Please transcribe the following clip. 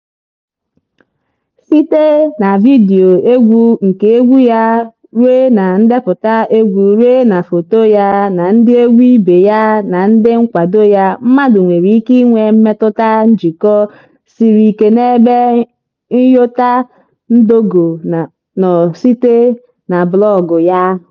Site na vidiyo egwu nke egwu ya ruo na ndepụta egwu ruo na foto ya na ndịegwu ibe ya na ndị nkwado ya, mmadụ nwere ike inwe mmetụta njikọ sịrị ike n'ebe Nyota Ndogo nọ site na blọọgụ ya.